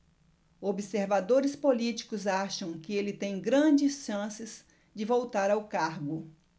observadores políticos acham que ele tem grandes chances de voltar ao cargo